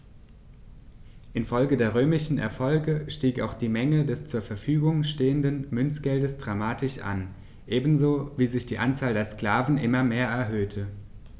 Infolge der römischen Erfolge stieg auch die Menge des zur Verfügung stehenden Münzgeldes dramatisch an, ebenso wie sich die Anzahl der Sklaven immer mehr erhöhte.